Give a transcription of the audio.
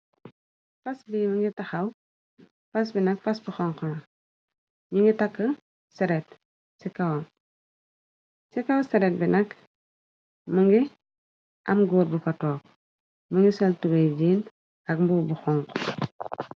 Fas bi më ngi taxaw fas bi nak fas bi xonxo la nuge take saret se kawam se kaw saret bi nak më ngi am góor bu fa took më ngi sol tubaye jiin ak mubw bu xonxo.